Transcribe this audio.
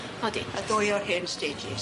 Odi. Y dwy o'r hen stêjys.